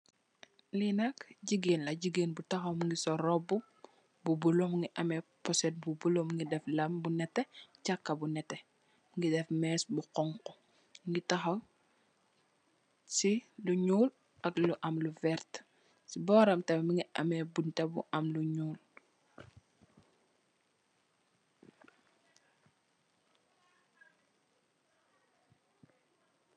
Li nak gigain la, gigain bu tahaw mungi sol robu bu blue Mungi ameh poset bu blue Mungi deff lam bu neteh chaha bu neteh Mungi deff meess bu hunhu Mungi dahaw sey lu nyuul ak lu am lu verteh sey boram tam Mungi ameh bunta bu ameh lu nyuul.